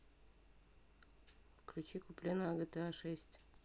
включи куплина гта шесть